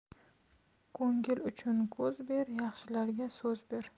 ko'ngil uchun ko'z ber yaxshilarga so'z ber